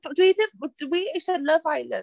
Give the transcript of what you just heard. Dwi ddim... Dwi isie Love Island.